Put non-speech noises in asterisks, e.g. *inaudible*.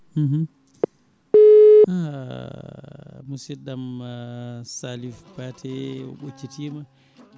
*hesitation* *hesitation* aah musidɗam Salif Paté o ɓoccitima